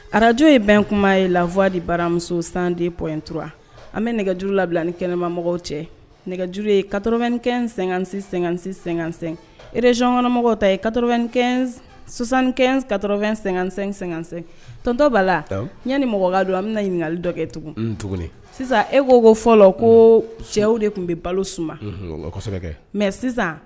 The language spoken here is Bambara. Arajo ye bɛn kuma ye lafwadi baramuso sanden p intura an bɛ nɛgɛjuru labila ni kɛnɛmamɔgɔ cɛ nɛgɛjuru ye kato2ɛn sɛgɛn-sɛ-sɛsɛ erezyɔnmɔgɔ ta ye kasan kato2--sɛ-sɛ tɔnontɔ b'a la ɲaani mɔgɔ ka don a bɛna ɲininkali dɔ kɛ tugun tuguni sisan e'o ko fɔ ko cɛw de tun bɛ balo suma kosɛbɛ mɛ sisan